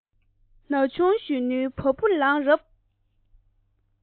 ན ཆུང གཞོན ནུའི བ སྤུ ལངས རབས